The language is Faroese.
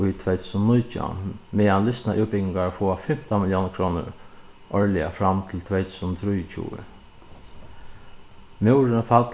í tvey túsund og nítjan meðan lisnar útbúgvingar fáa fimtan milliónir krónur árliga fram til tvey túsund og trýogtjúgu múrurin fall